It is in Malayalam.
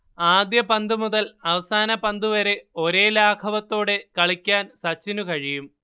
ആദ്യ പന്തുമുതൽ അവസാന പന്തുവരെ ഒരേ ലാഘവത്തോടെ കളിക്കാൻ സച്ചിനു കഴിയും